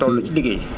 toll ci liggéey